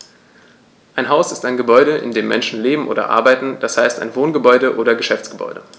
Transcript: Ein Haus ist ein Gebäude, in dem Menschen leben oder arbeiten, d. h. ein Wohngebäude oder Geschäftsgebäude.